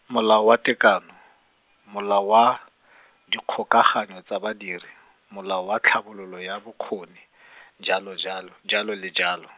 Molao wa Tekano , Molao wa Dikgokagano tsa badiri, Molao wa Tlhabololo ya Bokgoni, jalo jalo, jalo le jalo.